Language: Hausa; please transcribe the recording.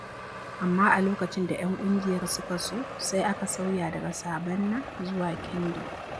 Amma a lokacin da 'yan ƙungiyar suka so, sai aka sauya daga "Saɓannah" zuwa "Kingdom"